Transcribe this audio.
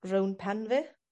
rownd pen fi.